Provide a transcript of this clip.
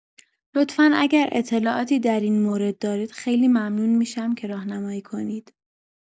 لطفا اگر اطلاعاتی در این مورد دارید خیلی ممنون می‌شم که راهنمایی کنید